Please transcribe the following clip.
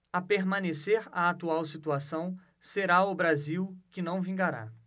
a permanecer a atual situação será o brasil que não vingará